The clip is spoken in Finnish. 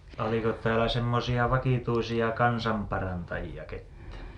oliko täällä semmoisia vakituisia kansanparantajia ketään